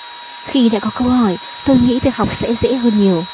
khi đã có câu hỏi tôi nghĩ việc học sẽ dễ hơn nhiều